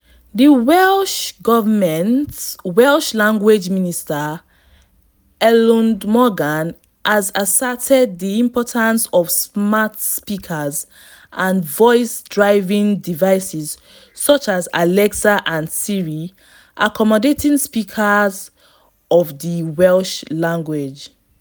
The Welsh government's Welsh language minister Eluned Morgan has asserted the importance of smart speakers and voice-driven devices such as Alexa and Siri accommodating speakers of the Welsh language.